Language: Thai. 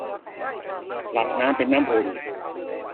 ปรับน้ำเป็นน้ำอุ่น